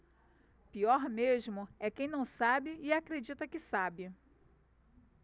pior mesmo é quem não sabe e acredita que sabe